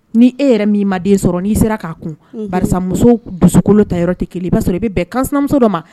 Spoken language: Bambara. Ni e yɛrɛ min ma den sɔrɔ n'i sera k'a kun unhun barisa muso dusukolo ta yɔrɔ tɛ kelen ye i b'a sɔrɔ i bɛ bɛn kansinamuso dɔ ma